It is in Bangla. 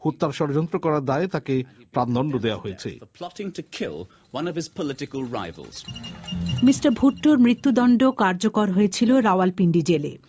হত্যার ষড়যন্ত্র করার দায়ে তাকে প্রাণদণ্ড দেয়া হয়েছে attempting to kill one of his political rivals mister ভুট্টোর মৃত্যুদণ্ড কার্যকর হয়েছিল রাওয়ালপিন্ডি জেলে